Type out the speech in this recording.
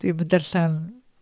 Dwi'n yn darllen...